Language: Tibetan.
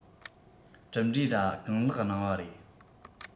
གྲུབ འབྲས ལ གང ལེགས གནང བ རེད